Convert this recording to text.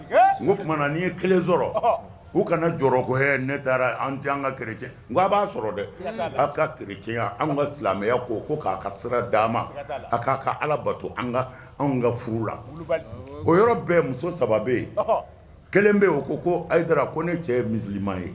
O tumaumana na n'i ye kelen sɔrɔ u kana jɔko h ne taara an tɛ an ka gc nka a b'a sɔrɔ dɛ' ka garicɛya an ka silamɛya ko ko k'a ka sira d'an ma a k'a ka ala bato an ka anw ka furu la o yɔrɔ bɛɛ muso saba yen kelen bɛ ko ko ko ne cɛ ye misilima ye